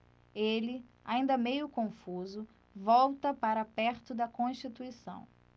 ele ainda meio confuso volta para perto de constituição